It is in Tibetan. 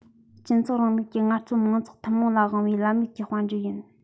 སྤྱི ཚོགས རིང ལུགས ཀྱི ངལ རྩོལ མང ཚོགས ཐུན མོང ལ དབང བའི ལམ ལུགས ཀྱི དཔལ འབྱོར ཡིན